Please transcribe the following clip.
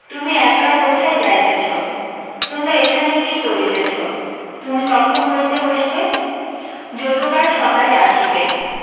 তুমি একলা কোথায় যাইতেছ তোমরা এখানে কী করিতেছ তুমি কখন পড়িতে বসবে যদু কাল সকালে আসিবে